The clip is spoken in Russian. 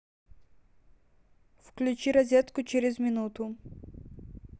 включи розетку через минуту